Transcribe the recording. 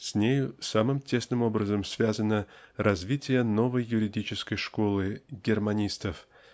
С нею самым тесным образом увязано развитие новой юридической школы германистов